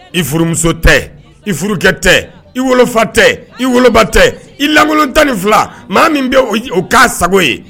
I furumuso tɛ i furukɛ tɛ i wolofa tɛ i woloba tɛ ilankolon tan ni fila maa min bɛ o k' sago ye